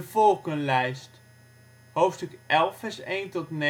volkenlijst. Hoofdstuk 11:1-9 vertelt het